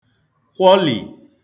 kwọlì